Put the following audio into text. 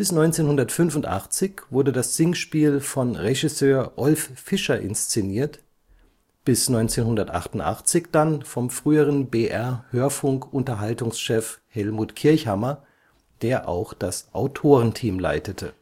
1985 wurde das Singspiel von Regisseur Olf Fischer inszeniert, bis 1988 dann vom früheren BR-Hörfunk-Unterhaltungschef Helmut Kirchhammer, der auch das Autorenteam leitete